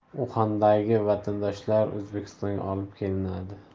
uxandagi vatandoshlar o'zbekistonga olib kelinadi